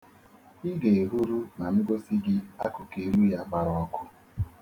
Ị ga-ehuru ma m gosi gi akuku iru ya gbara ọku.̣